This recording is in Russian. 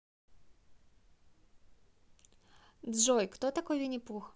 джой кто такой винни пух